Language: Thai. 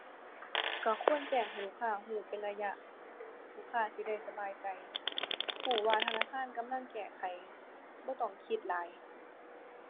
ก็ควรแจ้งให้ลูกค้าก็เป็นระยะ ลูกค้าสิได้สบายใจ ก็ว่าธนาคารกำลังแก้ไข บ่ต้องคิดหลาย